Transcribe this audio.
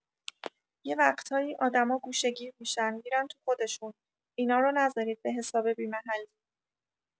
یه وقتایی آدما گوشه‌گیر می‌شن می‌رن تو خودشون، اینا رو نذارید به‌حساب بی‌محلی!